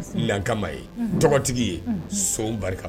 F lankama ye tɔgɔtigi ye son barika